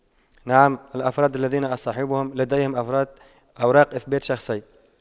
نعم الأفراد الذين اصطحبهم لديهم أفراد أوراق اثبات شخصية